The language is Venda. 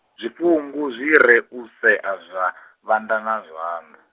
zwifhungu zwiri u sea zwa, vhanda na zwanḓa.